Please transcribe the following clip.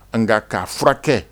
Nka k'a furakɛ